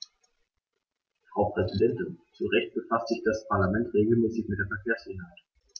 Frau Präsidentin, zu Recht befasst sich das Parlament regelmäßig mit der Verkehrssicherheit.